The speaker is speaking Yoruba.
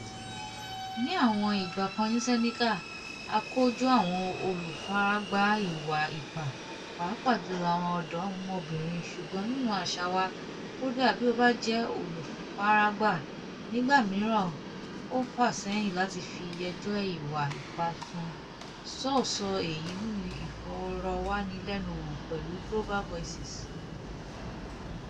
Ní àwọn ìgbà kan ní Senegal, a kojú àwọn olùfaragbà ìwà ipá, pàápàá jùlọ àwọn ọ̀dọ́mọbìnrin, ṣùgbọ́n nínú àṣà wá, kódà bí o bá jẹ́ olùfaragbà, nígbà mìíràn [o] fà sẹ́yìn láti fi ẹjọ́ ìwà ipá sùn, "Sow sọ èyí nínú Ìfọ̀rọ̀wánilẹ́nuwò pẹ̀lú Global Voices.